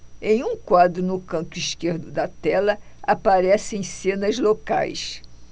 em um quadro no canto esquerdo da tela aparecem cenas locais